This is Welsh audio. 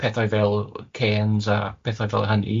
pethau fel cêns a pethau fel hynny.